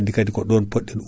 kaadi omo seeri